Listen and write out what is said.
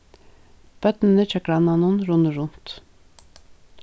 børnini hjá grannanum runnu runt